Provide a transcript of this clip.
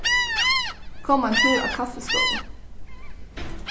kom ein túr á kaffistovu